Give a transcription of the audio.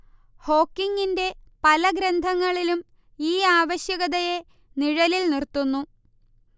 ഹോക്കിങ്ങിന്റെ പല ഗ്രന്ഥങ്ങളിലും ഈ ആവശ്യകതയെ നിഴലിൽ നിർത്തുന്നു